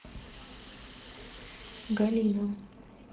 галина